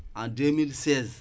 en deux mille seize